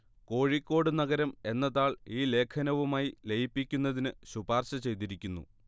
കോഴിക്കോട് നഗരം എന്ന താൾ ഈ ലേഖനവുമായി ലയിപ്പിക്കുന്നതിന് ശുപാർശ ചെയ്തിരിക്കുന്നു